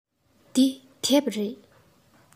འདི དེབ རེད